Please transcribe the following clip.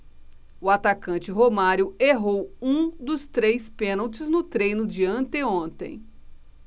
o atacante romário errou um dos três pênaltis no treino de anteontem